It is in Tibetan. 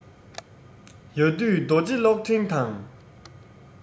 ཡ བདུད རྡོ རྗེ གློག ཕྲེང དང